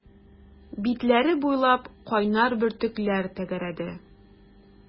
Битләре буйлап кайнар бөртекләр тәгәрәде.